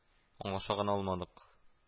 Аңлаша гына алмадык